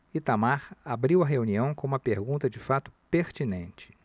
itamar abriu a reunião com uma pergunta de fato pertinente